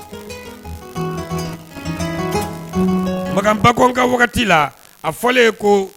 Makan bako ka wagati la a fɔlen ko